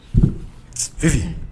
Fi